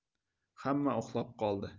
hamma uxlab qoldi